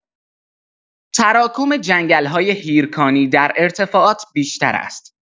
تراکم جنگل‌های هیرکانی در ارتفاعات بیشتر است.